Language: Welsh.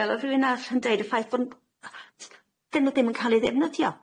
Fel o'dd rywun arall yn deud y ffaith bo' n- s- 'dyn n'w ddim yn ca'l i ddefnyddio.